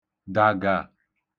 dàgà